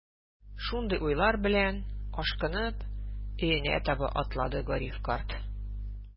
Шундый уйлар белән, ашкынып өенә таба атлады Гариф карт.